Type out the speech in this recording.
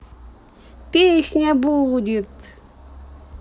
песня будет